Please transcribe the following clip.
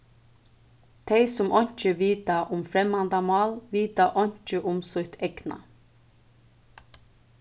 tey sum einki vita um fremmandamál vita einki um sítt egna